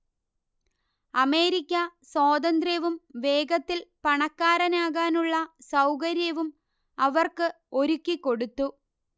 America സ്വാതന്ത്ര്യവും വേഗത്തിൽ പണക്കാരനാകാനുള്ള സൗകര്യവും അവർക്ക് ഒരുക്കിക്കൊടുത്തു